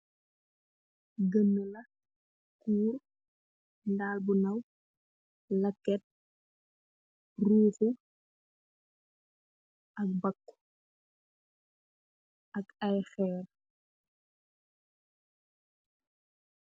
Gehni laa, kuur, ndaall bu ndaw, lehket, ruugu ak bakku ak ayyi kherr.